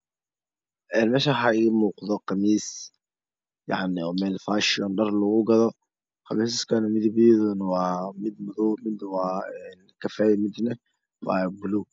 Meshan waxaa iiga muuqda qamis waa mel fashoon dhar lagu gado qamisyada midabkoodu mid waa kafey midna waa madoow midna waa baluug